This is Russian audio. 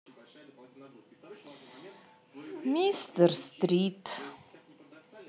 мистер стрит